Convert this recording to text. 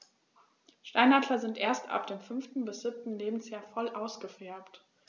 Steinadler sind erst ab dem 5. bis 7. Lebensjahr voll ausgefärbt.